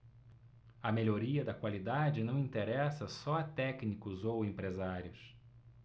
a melhoria da qualidade não interessa só a técnicos ou empresários